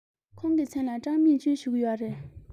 ཁོང གི མཚན ལ ཀྲང མིང ཅུན ཞུ གི ཡོད རེད